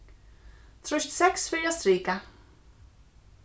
trýst seks fyri at strika